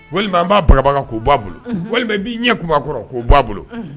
Walima n b'a barabaga k'o b'a bolo walima n'i ɲɛ kun kɔrɔ k'o b' aa bolo